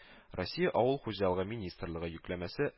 Россия Авыл хуҗалыгы министрлыгы йөкләмәсе